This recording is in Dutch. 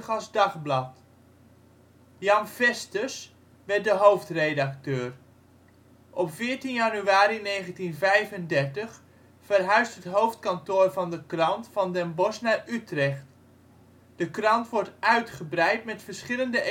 als dagblad. Jan Vesters werd de hoofdredacteur. Op 14 januari 1935 verhuist het hoofdkantoor van de krant van Den Bosch naar Utrecht. De krant wordt uitgebreid met verschillende